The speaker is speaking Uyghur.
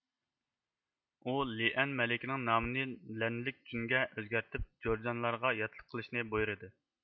ئۇ لېئەن مەلىكىنىڭ نامىنى لەنلىگجۈنگە ئۆزگەرتىپ جورجانلارغا ياتلىق قىلىشنى بۇيرىدى